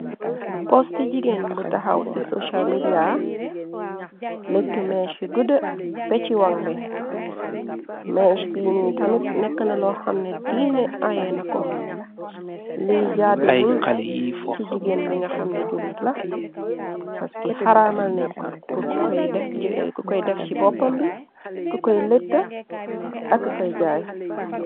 Posti jigeen bu taxaw ci social media, lëttu meesh yu gudu beh ci wang bii, meesh bini tamit nekkna loo xamne diine aye na ko, li jàdduwul ci jigéen bi nga xamne julit la paski xaraamal nen kor pur kku koy def jeh, kku koy def ci boppam bi, ku koy lëtta, ak kii koy jaay.